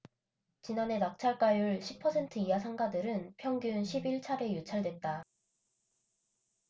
지난해 낙찰가율 십 퍼센트 이하 상가들은 평균 십 일 차례 유찰됐다